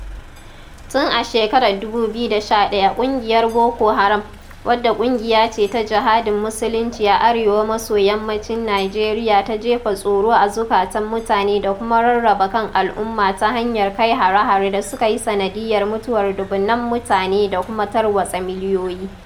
Tun a shekarar 2011 ƙungiyar Boko Haram, wadda ƙungiya ce ta jihadin musulunci a Arewa-maso-yammacin Nijeriya ta jefa tsoro a zukatan mutane da kuma rarraba kan al'umma ta hanyar kai hare-hare da suka yi sanadiyyar mutuwar dubunan mutane da kuma tarwatsa miliyoyi.